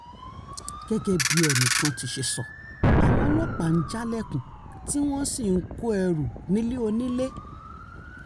Gẹ́gẹ́ bí ẹnìkan ti ṣe sọ, àwọn ọlọ́pàá ń jálẹ̀kùn tí wọ́n sì ń kó ẹrù nílé onílé.